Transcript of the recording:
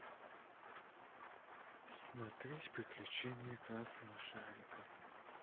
смотреть приключения красного шарика